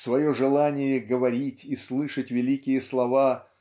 свое желание говорить и слышать великие слова